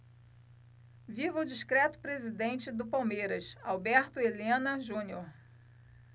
viva o discreto presidente do palmeiras alberto helena junior